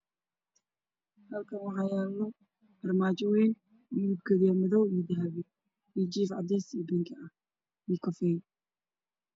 Halkaan wax yaalo armaajo weyn midabkeedu yahy madow iyo jiif